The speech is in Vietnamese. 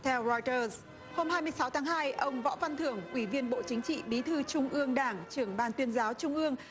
theo roi tơ hôm hai mươi sáu tháng hai ông võ văn thưởng ủy viên bộ chính trị bí thư trung ương đảng trưởng ban tuyên giáo trung ương